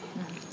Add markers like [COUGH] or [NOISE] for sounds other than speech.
[HESITATION] [HESITATION]